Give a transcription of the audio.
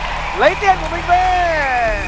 lấy tiền của mình về